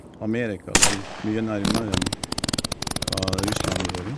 Amerika lå mye nærmere enn hva Russland gjorde.